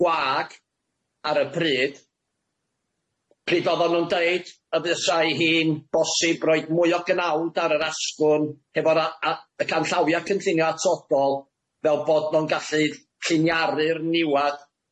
gwag ar y pryd pryd oddon nw'n deud y bysai hi'n bosib roid mwy o gnawnt ar yr asgwrn hefo'r a- a- y canllawia cynllunio atodol fel fod nw'n gallu lliniaru'r niwadd